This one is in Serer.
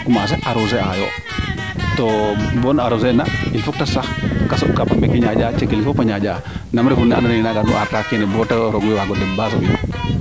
commencer arroser aayo to baon arroser il faut te sax kam pambe ke ñaanja cegwl ke fop a ñaaƴa nam refu ne ando naye naaga nu bo roog fee waago deɓ boo baa